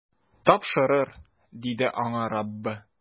Тапшырыр, - диде аңа Раббы.